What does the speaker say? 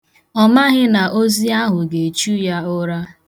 Ọ maghị na ozi ahụ ga-echu ya ụra.